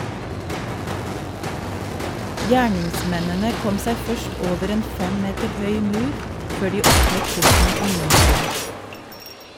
Gjerningsmennene kom seg først over en fem meter høy mur, før de åpnet porten innenfra.